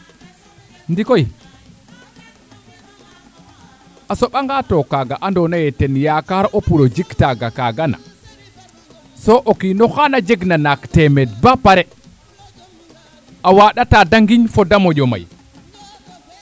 ndikoy a soɓanga toi kaga ando naye ten yaakar o pour ojik taanga kgaga na so o kinoxa jeg na naak temeed ba parea waanda ta de ŋeñ fo de moƴo may